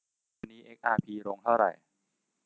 วันนี้เอ็กอาร์พีลงเท่าไหร่